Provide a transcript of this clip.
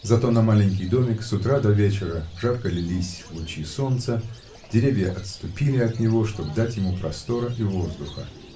Зато на маленький домик с утра до вечера жарко лились лучи солнца, деревья отступили от него, чтоб дать ему простора и воздуха.